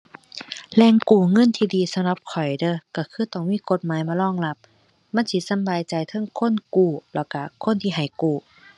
แหล่งกู้เงินที่ดีสำหรับข้อยเด้อ ก็คือต้องมีกฎหมายมารองรับ มันสิสำบายใจเทิงคนกู้แล้วก็คนที่ให้กู้